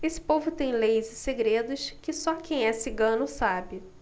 esse povo tem leis e segredos que só quem é cigano sabe